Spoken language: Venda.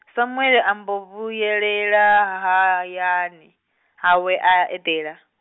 Samuele ambo vhuyelela ha- hayani, hawe a eḓela.